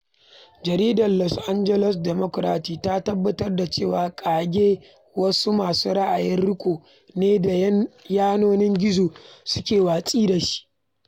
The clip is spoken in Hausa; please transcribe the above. Jaridar Los Angeles Democrat ta tabbatar da cewa ƙage wasu "masu ra'ayin riƙau" ne da yanonin gizo suke watsa shi.